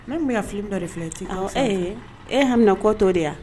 Mɛ bɛ ka fili bɛɛ de filɛ ten ee e hammina kɔtɔ de yan